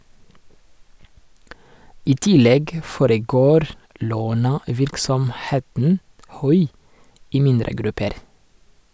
I tillegg foregår lånevirksomheten "Hui" i mindre grupper.